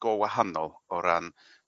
go wahanol o ran